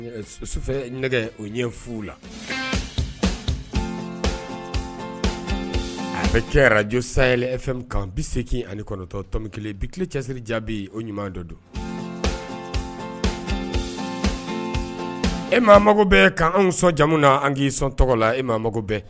Sufɛ nɛgɛ o ɲɛ la a bɛ kɛ araj say e fɛn kan bi se k ani kɔnɔtɔn tomi kelen bi ki cɛsɛsiriri jaabi o ɲuman dɔ don e ma mago bɛ ka anw sɔn jamu na an k'i sɔn tɔgɔ la e ma mago bɛɛ